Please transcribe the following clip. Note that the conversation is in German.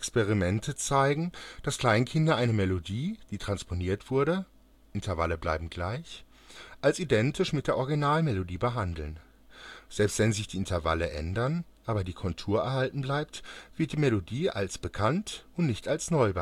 2000) zeigen, dass Kleinkinder eine Melodie, die transponiert wurde (Intervalle bleiben gleich) als identisch mit der Originalmelodie behandeln. Selbst wenn sich die Intervalle ändern, aber die Kontur erhalten bleibt, wird die Melodie als bekannt und nicht als neu behandelt